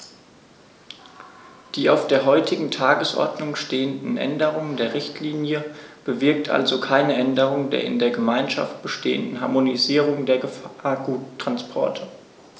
Die auf der heutigen Tagesordnung stehende Änderung der Richtlinie bewirkt also keine Änderung der in der Gemeinschaft bestehenden Harmonisierung der Gefahrguttransporte.